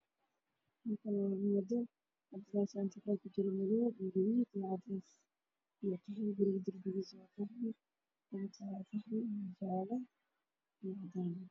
Hotel ah waxaa ku xiran mukeef midabkiisu yahay caddaan oo fara badan waana dabaq jaale ah